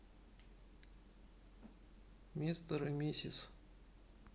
мистер и миссис